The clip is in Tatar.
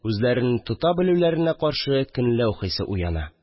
Үзләрене тота белүләренә каршы көнләү хисе уяна